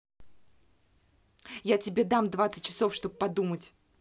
я тебе дам двадцать часов чтобы подумать